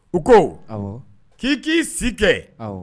U ko? Awɔ. K'i k'i si kɛ; awɔ